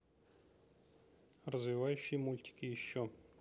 развивающие мультики еще